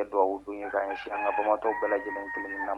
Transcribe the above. Dugawu aw don in kan si an ka bamamatɔw bɛɛ lajɛlen kelen na